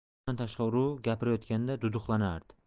bundan tashqari u gapirayotganda duduqlanardi